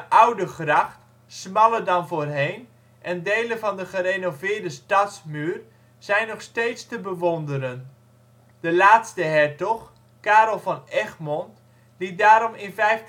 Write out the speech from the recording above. oude gracht (smaller dan voorheen) en delen van de (gerenoveerde) stadsmuur zijn nog steeds te bewonderen. De laatste hertog, Karel van Egmond, liet daarom in 1526-1527